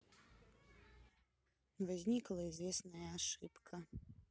возникла известная ошибка